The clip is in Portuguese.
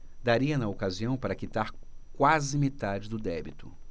daria na ocasião para quitar quase metade do débito